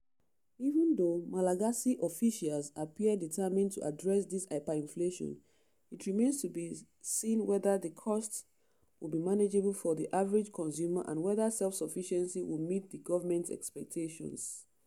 Even though Malagasy officials appear determined to address this hyperinflation, it remains to be seen whether the cost will be manageable for the average consumer and whether self-sufficiency will meet the government’s expectations.